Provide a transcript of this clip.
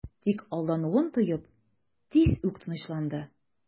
Тик алдануын тоеп, тиз үк тынычланды...